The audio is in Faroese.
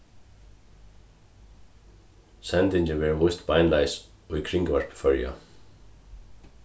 sendingin verður víst beinleiðis í kringvarpi føroya